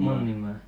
Munnimaa